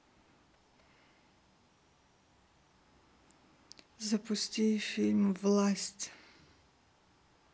запусти фильм власть